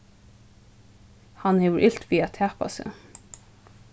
hann hevur ilt við at tapa seg